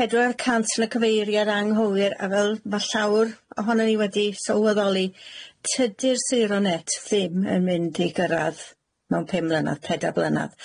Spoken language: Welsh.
pedwar cant yn y cyfeiriad anghywir a fel ma' llawer ohonon ni wedi sylweddoli tydi'r sero net ddim yn mynd i gyrradd mewn pum mlynadd, pedwar mlynadd.